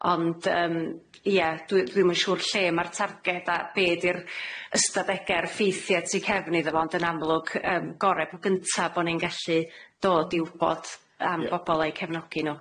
Ond yym, ie, dwi- dwi'm yn siŵr lle ma'r targed a be' 'di'r ystadege a'r ffeithie tu cefn iddo fo ond yn amlwg yym, gore po gynta bo' ni'n gallu dod i wbod am... Ie... bobol a'u cefnogi nw. Ia.